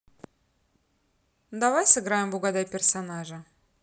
давай сыграем в угадай персонажа